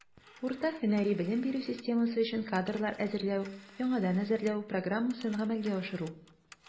Урта һөнәри белем бирү системасы өчен кадрлар әзерләү (яңадан әзерләү) программасын гамәлгә ашыру.